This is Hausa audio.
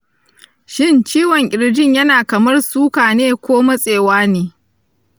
shin ciwon kirjin yana kamar suka ne ko matsewa ne?